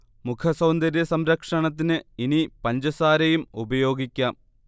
മുഖ സൗന്ദര്യ സംരക്ഷണത്തിന് ഇനി പഞ്ചസാരയും ഉപയോഗിക്കാം